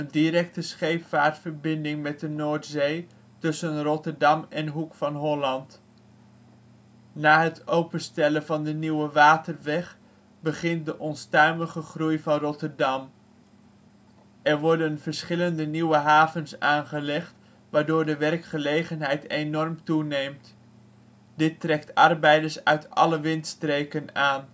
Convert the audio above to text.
directe scheepvaartverbinding met de Noordzee tussen Rotterdam en de Hoek van Holland. Na het openstellen van de Nieuwe Waterweg begint de onstuimige groei van Rotterdam. Er worden verschillende nieuwe havens aangelegd, waardoor de werkgelegenheid enorm toeneemt. Dit trekt arbeiders uit alle windstreken aan